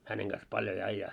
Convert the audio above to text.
hänen kanssa paljon oli ajaa